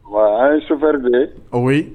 Wa an ye chauffeur dɔ ye , oui